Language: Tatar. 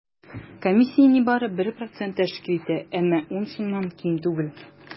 Комиссия нибары 1 процент тәшкил итә, әмма 10 сумнан ким түгел.